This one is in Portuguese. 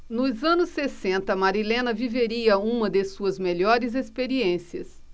nos anos sessenta marilena viveria uma de suas melhores experiências